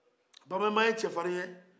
babemba ye cɛfari ye